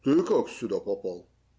- Ты как сюда попал?